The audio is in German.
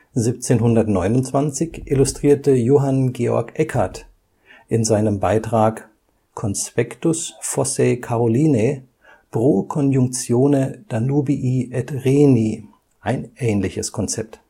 1729 illustrierte Johann Georg Eckardt in seinem Beitrag Conspectus Fossae Carolinae pro conjunctione Danubii et Rheni ein ähnliches Konzept